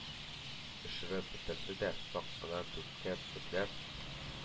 Төшереп бетерде дә, сак кына дүрткә бөкләп,